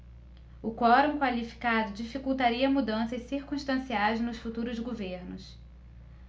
o quorum qualificado dificultaria mudanças circunstanciais nos futuros governos